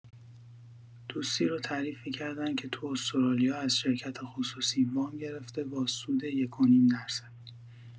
دوستی رو تعریف می‌کردن که تو استرالیا از شرکت خصوصی وام گرفته، با سود ۱ ٫ ۵ درصد!